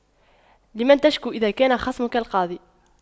لمن تشكو إذا كان خصمك القاضي